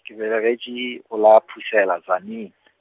ke belegetšwe go la Putlela Tzaneen .